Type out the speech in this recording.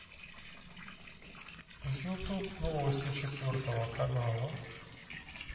ютуб новости четвертого канала